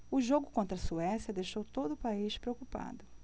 o jogo contra a suécia deixou todo o país preocupado